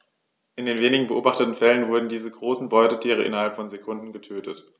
In den wenigen beobachteten Fällen wurden diese großen Beutetiere innerhalb von Sekunden getötet.